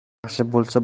yaxshi bo'lsa bola